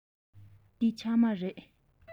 འདི ཕྱགས མ རེད